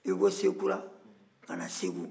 i bɛ bɔ sekura ka na segu